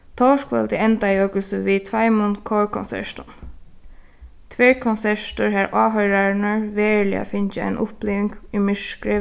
tórskvøldið endaðu okur so við tveimum kórkonsertum tvær konsertir har áhoyrararnar veruliga fingu eina uppliving í myrkri